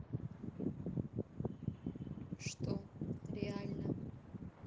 что реально